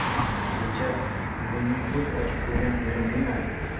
hadicha buvingning ko'z ochib ko'rgan eri menman